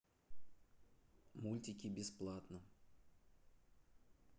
мультики бесплатно